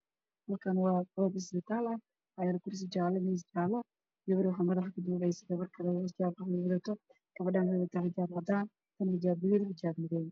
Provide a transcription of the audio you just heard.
Halkaan waa goob isbitaal ah waxaa yaalo kursi jaale iyo miis jaale ah , gabar ayaa gabar kale madaxa kaduubeyso oo xijaab qaxwi wadato, gabadha kale waxay wadataa xijaab yar cadaan ah iyo xijaab madow ah.